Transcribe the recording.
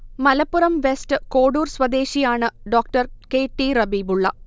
Malappuram west Kodur സ്വദേശിയാണ് Dr K T Rabeebulla